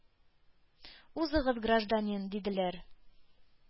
— узыгыз, гражданин, — диделәр.